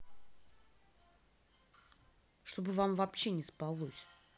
чтобы вам вообще не спалось